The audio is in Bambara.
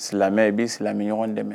Silamɛ i b'i silamɛ ɲɔgɔn dɛmɛ